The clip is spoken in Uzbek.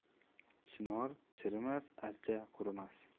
chinor chirimas archa qurimas